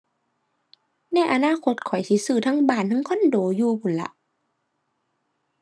ในอนาคตข้อยสิซื้อทั้งบ้านทั้งคอนโดอยู่พู้นล่ะ